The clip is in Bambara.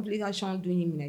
dun y'i minɛ